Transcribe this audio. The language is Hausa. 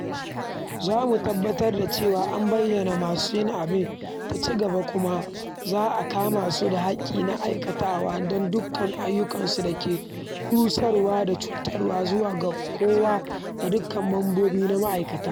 Za mu tabbatar da cewa an bayyana masu yin abin, ta ci gaba, "kuma za a kama su da haƙƙi na aikatawa don dukkan ayukansu da ke rusarwa da cutarwa zuwa ga kowa da dukkan mambobi na ma'aikatana."